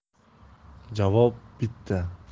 javob bitta